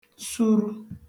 suru